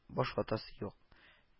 Баш ватасы юк